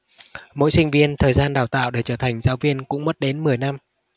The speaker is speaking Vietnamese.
mỗi sinh viên thời gian đào tạo để trở thành giáo viên cũng mất đến mười năm